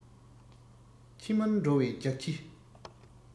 ཕྱི མར འགྲོ བའི རྒྱགས ཕྱེ